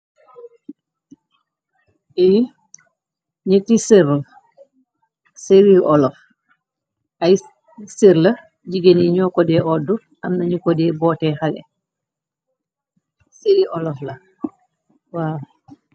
Nysir la jigéni ñoo ko de odd am nañu ko de boote xale siri olaf lawa.